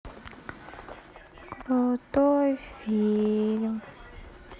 крутой фильм